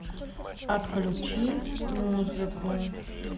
отключи музыку